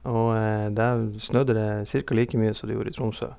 Og der snødde det cirka like mye som det gjorde i Tromsø.